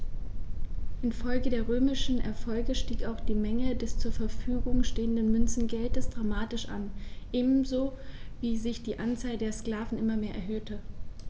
Infolge der römischen Erfolge stieg auch die Menge des zur Verfügung stehenden Münzgeldes dramatisch an, ebenso wie sich die Anzahl der Sklaven immer mehr erhöhte.